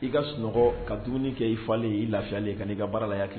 I ka sunɔgɔ, ka dumuni kɛ, i falen, i lafiyalen ka n'i ka baara la, i hak